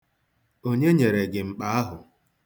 Onye nyere gị mkpa ahụ?